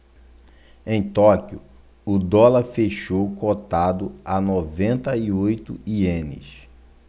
em tóquio o dólar fechou cotado a noventa e oito ienes